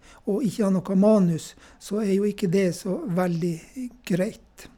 Og ikke ha noe manus, så er jo ikke det så veldig greit.